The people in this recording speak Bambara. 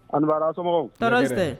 A ni baara, a sɔmɔgɔw? Tɔrɔsitɛ! Hɛrɛ.